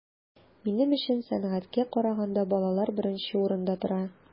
Минем өчен сәнгатькә караганда балалар беренче урында тора.